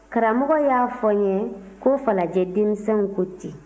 karamɔgɔ y'a fɔ n ye ko falajɛ denmisɛnw ko ten